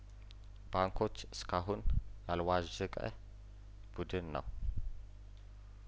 ባንኮች እስካሁን ያልዋዠቀ ቡድን ነው